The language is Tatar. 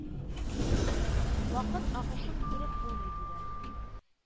Вакыт агышын күреп булмый, диләр